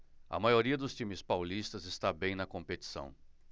a maioria dos times paulistas está bem na competição